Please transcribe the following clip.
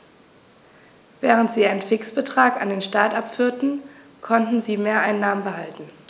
Während sie einen Fixbetrag an den Staat abführten, konnten sie Mehreinnahmen behalten.